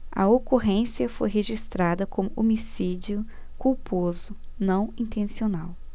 a ocorrência foi registrada como homicídio culposo não intencional